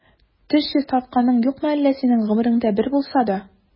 Теш чистартканың юкмы әллә синең гомереңдә бер булса да?